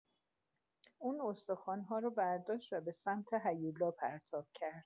اون استخوان‌ها رو برداشت و به سمت هیولا پرتاب کرد.